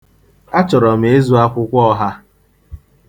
Achọrọ m ịzụ akwụkwọ ọha.